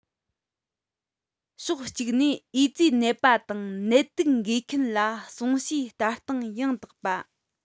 ཕྱོགས གཅིག ནས ཨེ ཙི ནད པ དང ནད དུག འགོས མཁན ལ གཟུང བྱའི ལྟ སྟངས ཡང དག དང